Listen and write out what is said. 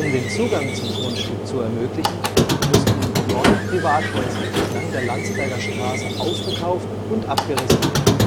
den Zugang zum Grundstück zu ermöglichen, mussten neun Privathäuser entlang der Landsberger Straße aufgekauft und abgerissen werden